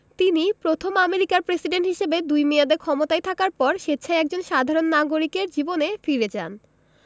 তিনি প্রথম আমেরিকার প্রেসিডেন্ট হিসেবে দুই মেয়াদে ক্ষমতায় থাকার পর স্বেচ্ছায় একজন সাধারণ নাগরিকের জীবনে ফিরে যান